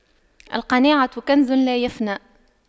القناعة كنز لا يفنى